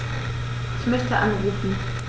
Ich möchte anrufen.